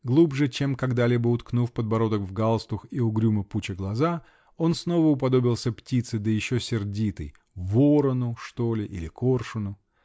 Глубже чем когда-либо уткнув подбородок в галстук и угрюмо луча глаза, он снова уподобился птице, да еще сердитой, -- ворону, что ли, или коршуну.